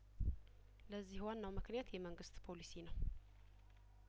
ለዚህ ዋናው ምክንያት የመንግስት ፖሊሲ ነው